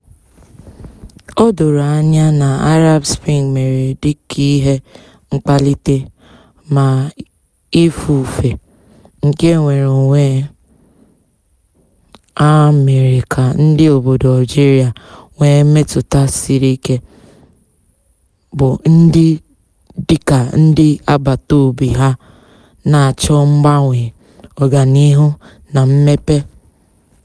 O doro anya na Arab Spring mere dịka ihe mkpalite, ma ifufe nke nnwereonwe a mere ka ndị obodo Algeria nwee mmetụta siri ike, bụ ndị, dịka ndị agbataobi ha, na-achọ mgbanwe, ọganihu na mmepe.